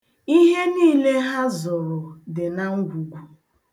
Ihe niile ha zụrụ dị na ngwugwu.